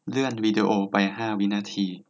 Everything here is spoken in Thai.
เลื่อนวีดีโอไปห้าวินาที